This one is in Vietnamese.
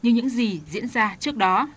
như những gì diễn ra trước đó